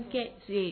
An tɛ se